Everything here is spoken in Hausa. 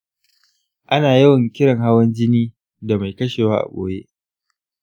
ana yawan kiran hawan jini da ‘mai kashewa a ɓoye.